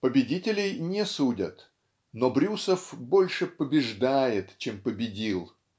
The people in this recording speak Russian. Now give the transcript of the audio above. Победителей не судят; но Брюсов больше побеждает, чем победил.